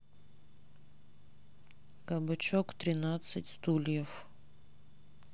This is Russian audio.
кабачок тринадцать стульев